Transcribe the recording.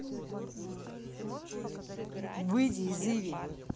выйди из иви